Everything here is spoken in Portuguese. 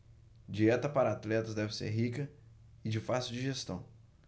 dieta para atletas deve ser rica e de fácil digestão